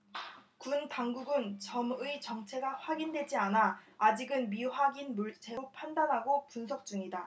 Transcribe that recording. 군 당국은 점의 정체가 확인되지 않아 아직은 미확인 물체로 판단하고 분석 중이다